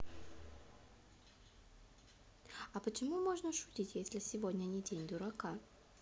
а почему можно шутить если сегодня не день дурака